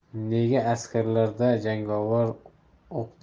nega askarlarda jangovar o'q